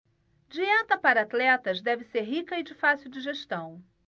dieta para atletas deve ser rica e de fácil digestão